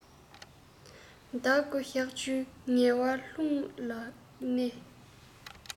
ཟླ དགུ ཞག བཅུའི ངལ བ ལྷུར བླངས ནས